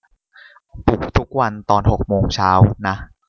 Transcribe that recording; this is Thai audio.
ปลุกทุกวันตอนหกโมงเช้านะ